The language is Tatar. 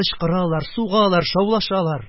Кычкыралар, сугалар, шаулашалар.